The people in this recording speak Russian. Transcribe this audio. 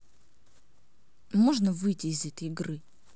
можно выйти из этой игры